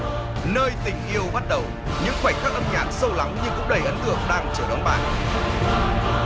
nơi tình yêu bắt đầu những khoảnh khắc âm nhạc sâu lắng nhưng cũng đầy ấn tượng đang chờ đón bạn bán